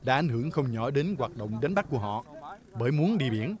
đã ảnh hưởng không nhỏ đến hoạt động đánh bắt của họ bởi muốn đi biển